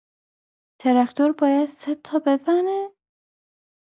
تراکتور باید سه‌تا بزنه؟